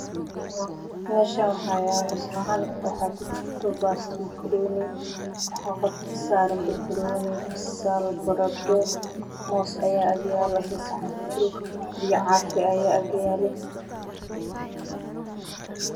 Meshaan waxa yaalo saxan waxa ku jiro baasro makanooni waxa korka kasaaran banbanooni basal baradho moos aya agyaalo biyo caafi aya ag yaalo